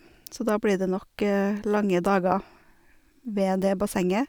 Så da blir det nok lange dager ved det bassenget.